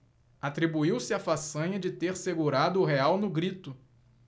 atribuiu-se a façanha de ter segurado o real no grito